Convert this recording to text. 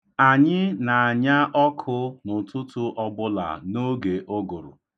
Anyị na-anya ọkụ n'ụtụtụ ọbụla n'oge ụgụrụ.